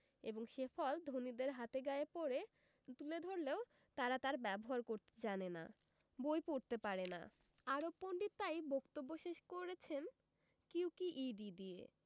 এবং সে ফল ধনীদের হাতে গায়ে পড়ে তুলে ধরলেও তারা তার ব্যবহার করতে জানে না বই পড়তে পারে না আরব পণ্ডিত তাই বক্তব্য শেষ করেছেন কিউ কি ই ডি দিয়ে